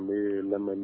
Ee la